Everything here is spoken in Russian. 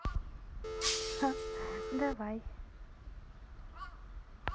ха давай